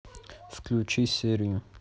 включи серию